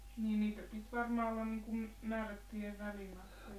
niin niitä piti varmaan olla niin kuin määrättyjen välimatkojen